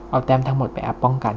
เอาแต้มทั้งหมดไปอัพป้องกัน